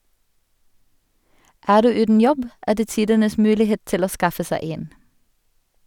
Er du uten jobb, er det tidenes mulighet til å skaffe seg en.